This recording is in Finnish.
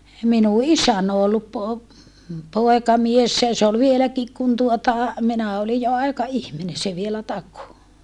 minun isäni on ollut - poikamiehenä ja se oli vieläkin kun tuota minä olin jo aikaihminen se vielä takoi